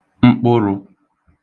mkpụrụ̄